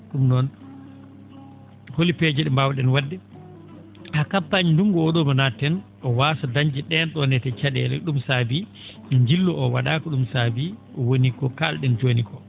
?um noon holi peeje ?e mbaw?en wa?de haa campagne ndunngu oo?oo mo naatten o waasa dañde ?een ?oon ne ca?eele ?um saabii njillu oo wa?aa ko ?um saabi woniko kaal?en jooni koo